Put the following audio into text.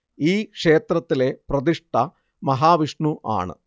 ഈ ക്ഷേത്രത്തിലെ പ്രതിഷ്ഠ മഹാവിഷ്ണു ആണ്